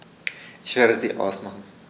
Ich werde sie ausmachen.